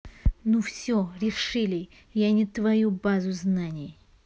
ну все решили я не твою базу знаний